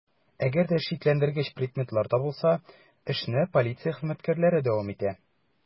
Әгәр дә шикләндергеч предметлар табылса, эшне полиция хезмәткәрләре дәвам итә.